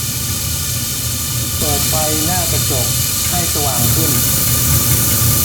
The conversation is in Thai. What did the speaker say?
เปิดไฟหน้ากระจกให้สว่างขึ้น